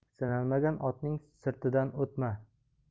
sinalmagan otning sirtidan o'tma